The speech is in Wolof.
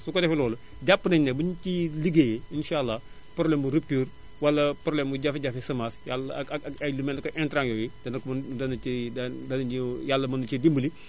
su ko defee loolu jàpp nañu ne bu ñu ci ligéeyee insaa àllaa problème mu rupture wala problème mu jafe-jafe semence ak ak ak ay li mel ne que intra yooyu dana ci dana dana Yàlla mën ñu see dimbile